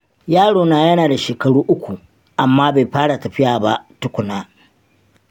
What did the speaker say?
yarona yana da shekaru uku, amma bai fara tafiya ba tukuna